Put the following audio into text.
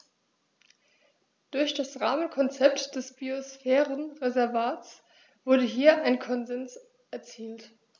Durch das Rahmenkonzept des Biosphärenreservates wurde hier ein Konsens erzielt.